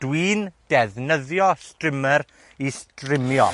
Dwi'n ddefnyddio strimer i strimio.